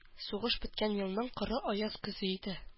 Сугыш беткән елның коры, аяз көзе иде.